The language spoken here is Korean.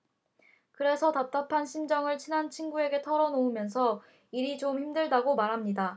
그래서 답답한 심정을 친한 친구에게 털어놓으면서 일이 좀 힘들다고 말합니다